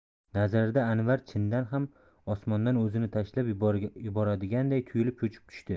nazarida anvar chindan ham osmondan o'zini tashlab yuboradiganday tuyulib cho'chib tushdi